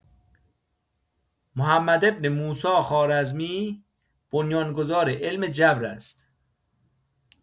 محمد بن موسی خوارزمی بنیان‌گذار علم جبر است.